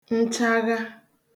nchagha